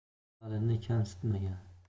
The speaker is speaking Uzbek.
valini kamsitmagan